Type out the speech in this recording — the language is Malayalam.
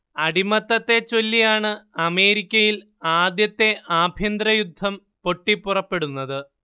അടിമത്തത്തെച്ചൊല്ലിയാണ് അമേരിക്കയിൽ ആദ്യത്തെ ആഭ്യന്തര യുദ്ധം പൊട്ടിപ്പുറപ്പെടുന്നത്